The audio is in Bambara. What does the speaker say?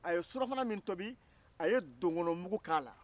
a ye surafana min tobi a ye donkɔnɔmugu k'a la